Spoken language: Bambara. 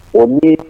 O di